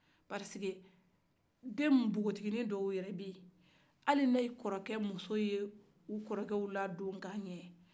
sabu dennpogotigini dɔw yɛrɛ bɛ ye ali ni kɔrɔkɛmuso ye u kɔrɔkɛ ladon kaɲɛ